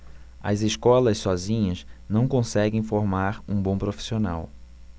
as escolas sozinhas não conseguem formar um bom profissional